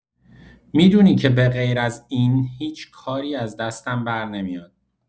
می‌دونی که به غیراز این هیچ کاری از دستم برنمیاد.